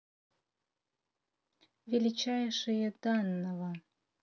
величайшие данного